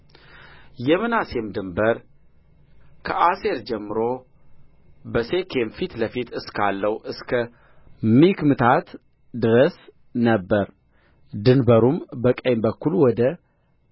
የምናሴም ድንበር ከአሴር ጀምሮ በሴኬም ፊት ልፊት እስካለው እስከ ሚክምታት ድረስ ነበረ ድንበሩም በቀኝ በኩል ወደ